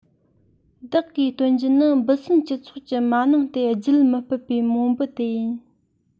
བདག གིས སྟོན རྒྱུ ནི འབུ སྲིན སྤྱི ཚོགས ཀྱི མ ནིང སྟེ རྒྱུད མི སྤེལ བའི མོ འབུ དེ ཡིན